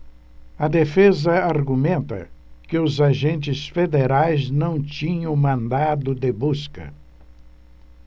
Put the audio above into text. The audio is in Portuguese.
a defesa argumenta que os agentes federais não tinham mandado de busca